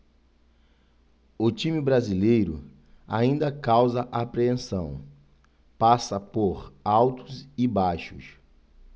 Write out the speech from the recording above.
o time brasileiro ainda causa apreensão passa por altos e baixos